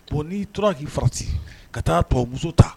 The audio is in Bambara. Ko n'i tora k'i farati ka taa tɔbabu ta